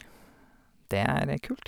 Det er kult.